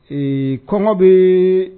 Ee kɔngɔ bɛ